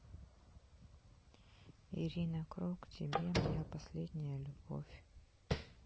ирина круг тебе моя последняя любовь